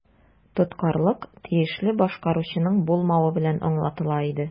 Тоткарлык тиешле башкаручының булмавы белән аңлатыла иде.